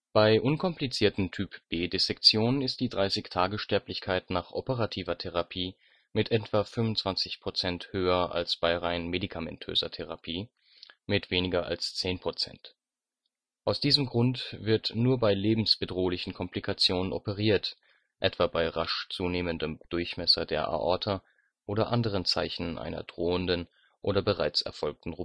Bei unkomplizierten Typ-B-Dissektionen ist die 30-Tage-Sterblichkeit nach operativer Therapie mit etwa 25 % höher als bei rein medikamentöser Therapie mit weniger als zehn Prozent. Aus diesem Grund wird nur bei lebensbedrohlichen Komplikationen operiert, etwa bei rasch zunehmendem Durchmesser der Aorta oder anderen Zeichen einer drohenden oder bereits erfolgten